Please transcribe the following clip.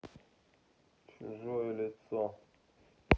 чужое лицо